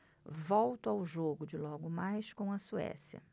volto ao jogo de logo mais com a suécia